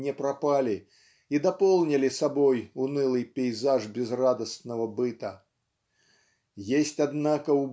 не пропали и дополнили собою унылый пейзаж безрадостного быта. Есть однако